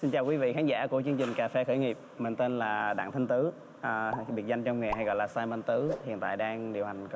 xin chào quý vị khán giả của chương trình cafe khởi nghiệp mang tên là đặng thanh tứ hà biệt danh trong nghề hay gọi là sai mang tứ hiện tại đang